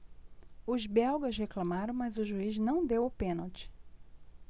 os belgas reclamaram mas o juiz não deu o pênalti